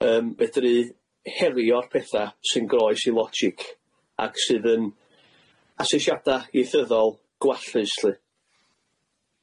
Yym fedri herio'r petha sy'n groes i logic ac sydd yn asesiada ieithyddol gwallus lly.